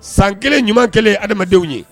San kelen ɲuman kelen ye adamadamadenw ye